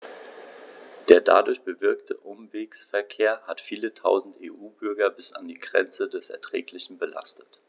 Der dadurch bewirkte Umwegsverkehr hat viele Tausend EU-Bürger bis an die Grenze des Erträglichen belastet.